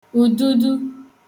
ùdudu